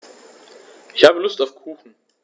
Ich habe Lust auf Kuchen.